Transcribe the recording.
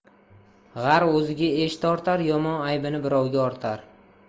g'ar o'ziga esh tortar yomon aybini birovga ortar